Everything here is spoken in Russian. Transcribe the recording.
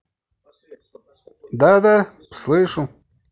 да да слышу